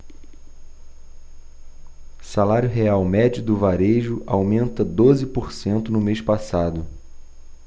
salário real médio do varejo aumenta doze por cento no mês passado